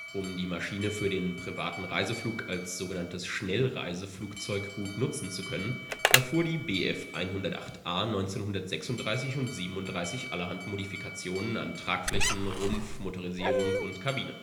Um die Maschine für den privaten Reiseflug als sogenanntes „ Schnellreiseflugzeug “gut nutzen zu können, erfuhr die Bf 108 A 1936 / 37 allerhand Modifikationen an Tragflächen, Rumpf, Motorisierung und Kabine